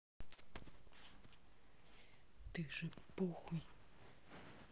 ты же похуй